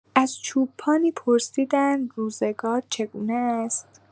از چوپانی پرسیدند روزگار چگونه است؟